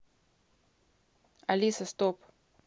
алиса стоп